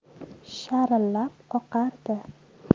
sharillab oqardi